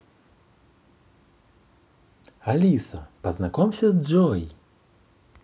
алиса познакомься с джой